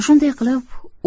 shunday qilib